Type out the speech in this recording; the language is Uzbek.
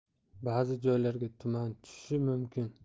ba'zi joylarga tuman tushishi mumkin